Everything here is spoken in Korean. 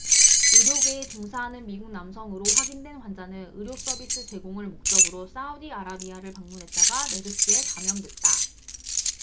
의료계에 종사하는 미국 남성으로 확인된 환자는 의료서비스 제공을 목적으로 사우디아라비아를 방문했다가 메르스에 감염됐다